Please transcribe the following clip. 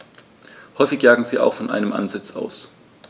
Häufig jagen sie auch von einem Ansitz aus.